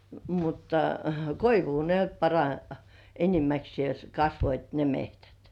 mutta koivua ne nyt - enimmäkseen kasvoivat ne metsät